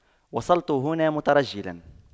وصلت هنا مترجلا